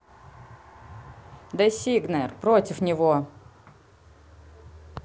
desiigner против него